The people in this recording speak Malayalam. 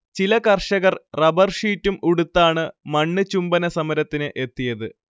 ചില കർഷകർ റബർഷീറ്റും ഉടുത്താണ് മണ്ണ് ചുംബന സമരത്തിനെത്തിയത്